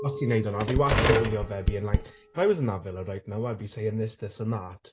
Os ti'n wneud hynna. Fi wastad yn gwylio fe being like "If I was in that villa right now I'd be saying this, this and that."